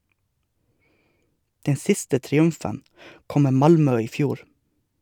Den siste triumfen kom med Malmö i fjor.